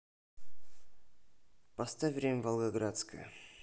поставь время волгоградское